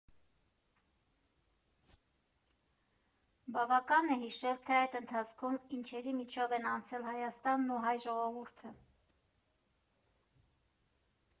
Բավական է հիշել, թե այդ ընթացքում ինչերի միջով են անցել Հայաստանն ու հայ ժողովուրդը։